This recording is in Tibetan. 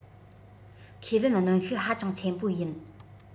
ཁས ལེན གནོན ཤུགས ཧ ཅང ཆེན པོ ཡིན